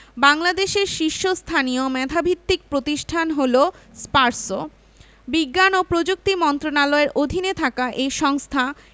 বাংলাদেশের শীর্ষস্থানীয় মেধাভিত্তিক প্রতিষ্ঠান হলো স্পারসো বিজ্ঞান ও প্রযুক্তি মন্ত্রণালয়ের অধীনে থাকা এই সংস্থা